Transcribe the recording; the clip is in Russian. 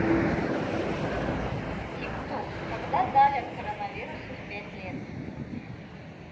тик ток когда дали от коронавируса в пять лет